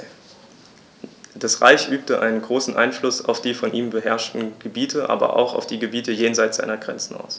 Das Reich übte einen großen Einfluss auf die von ihm beherrschten Gebiete, aber auch auf die Gebiete jenseits seiner Grenzen aus.